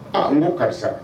Aa an ma karisa